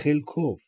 Խելքով։